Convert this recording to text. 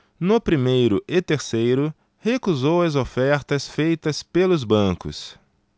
no primeiro e terceiro recusou as ofertas feitas pelos bancos